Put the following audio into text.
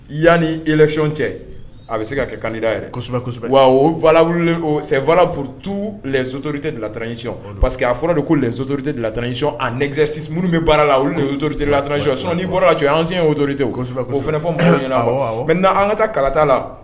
Yan ni ecɔn cɛ a bɛ se ka kɛ kanda yɛrɛ kosɛbɛsɛbɛ wa sɛwa btu tori tɛ latc pa que a fɔra de ko lɛn sotori tɛ latc a nɛgɛ sisan muru bɛ baara la olu wotor at so' bɔra a cɛ an si ye wotote osɛbɛ ofɔ minnu ɲɛna bɛ n na an ka taa kalata la